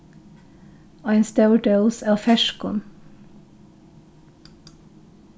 ein stór dós av ferskum